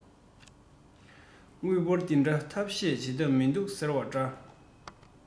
དངུལ འབོར འདི འདྲ ཐབས ཤེས བྱེད ཐབས མིན འདུག ཟེར བ འདྲ